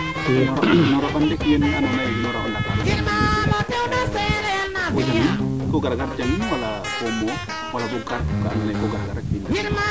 yaa ando naye in waa o Ndakarou ko gara gar jangin wala